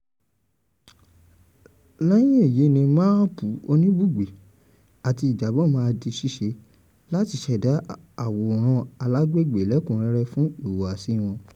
Lẹ́hìn èyí ní máàpù oníbùgbé àti ìjábọ̀ máa di ṣiṣe láti ṣẹ̀dá àwòràn alágbègbè lẹ́kúnrẹ́rẹ́ fún ìhùwàsí wọn.